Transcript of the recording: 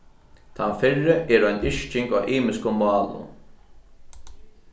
tann fyrri er ein yrking á ymiskum málum